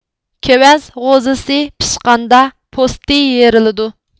كېۋەز غوزىسى پىشقاندا پوستى يېرىلىدۇ